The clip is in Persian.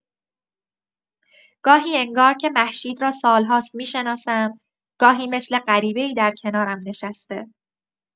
گاهی انگار که مهشید را سال‌هاست می‌شناسم، گاهی مثل غریبه‌ای در کنارم نشسته.